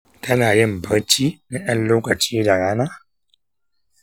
kana yin barci na ɗan lokaci da rana?